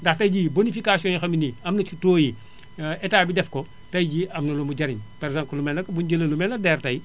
ndax tey jii bonification yoo xam ne nii am na ci taux yi te Etat bi def ko tey jii am na lu muy jariñ par exemple lu mel ne DER tey